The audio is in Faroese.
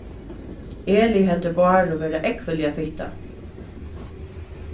eli heldur báru vera ógvuliga fitta